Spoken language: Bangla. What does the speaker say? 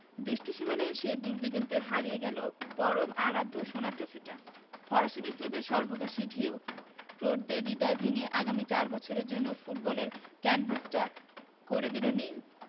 দৃষ্টিসীমায় এসেও দূরদিগন্তে হারিয়ে গেল পরম আরাধ্য সোনার ট্রফিটা ফরাসি বিপ্লবের সর্বগ্রাসী ঢেউ ক্রোটদের হৃদয় ভেঙে আগামী চার বছরের জন্য ফুটবলের ক্যানভাসটা করে দিল নীল